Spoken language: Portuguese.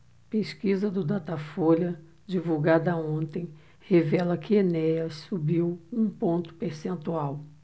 pesquisa do datafolha divulgada ontem revela que enéas subiu um ponto percentual